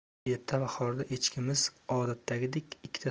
erta bahorda echkimiz odatdagidek ikkita